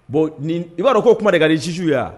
Bon ni i ba dɔn ko kuma de ka di juges ye a.